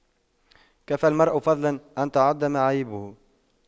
كفى المرء فضلا أن تُعَدَّ معايبه